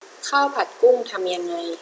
ข้าวผัดกุ้งทำยังไง